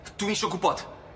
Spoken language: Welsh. Dwi isio gwbod.